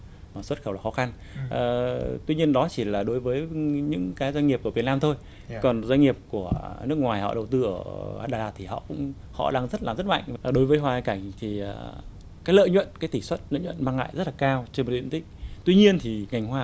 xuất khẩu khó khăn ờ tuy nhiên đó chỉ là đối với những cái doanh nghiệp của việt nam thôi còn doanh nghiệp của nước ngoài họ đầu tư ở đà lạt thì họ cũng họ đang rất là rất mạnh đối với hai cành thì à cái lợi nhuận cái tỉ suất lợi nhuận mang lại rất là cao trên một diện tích tuy nhiên thì cành hoa